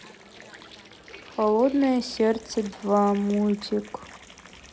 холодное сердце два мультик